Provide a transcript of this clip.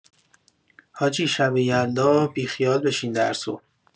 حاجی شب یلدا بیخیال بشین درسو